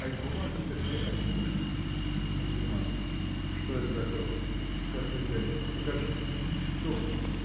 а из бумажника две осьмушки исписанной бумаги. – Что это такое? – спросил дядя, – покажи. – Не стоит!